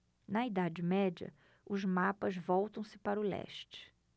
na idade média os mapas voltam-se para o leste